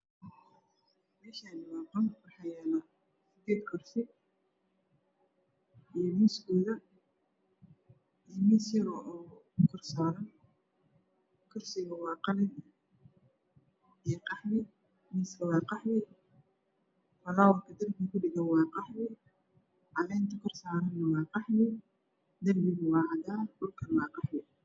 Meeshaani waa qol waxaa yaale sideed kursi iyo miiskooda iyo miis yaroo u korsaaran kursiga waa qalin iyo qaxwi miiska waa qaxwi falaawerka darbiga ku dhagan waa qaxwi caleenta kor saarana waa qaxwi darbiga waa cadaan dhulkana waa cadaan